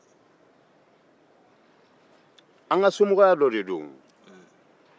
an ka somogɔya dɔ don o